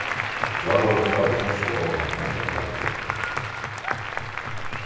í gjár vórðu fleiri ferðsluóhapp meldað til løgregluna